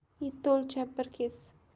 yetti o'lchab bir kes